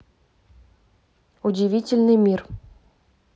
удивительный мир